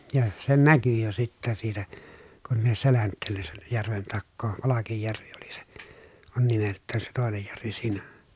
ja se näkyi jo sitten siitä kun ne selänteelle sen järven takaa Palkinjärvi oli se on nimeltään se toinen järvi siinä